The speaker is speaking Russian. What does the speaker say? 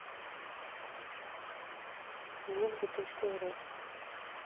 волга точка рф